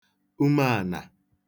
ume ànà